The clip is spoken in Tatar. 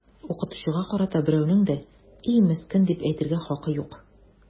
Укытучыга карата берәүнең дә “и, мескен” дип әйтергә хакы юк!